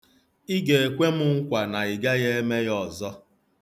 Ị ga-ekwe m nkwa na ị gaghị eme ya ọzọ?